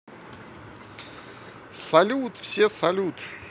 салют все салют